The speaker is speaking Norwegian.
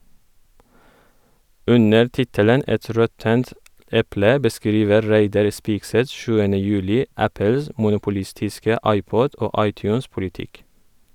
Under tittelen «Et råttent eple» beskriver Reidar Spigseth 7. juli Apples monopolistiske iPod- og iTunes-politikk.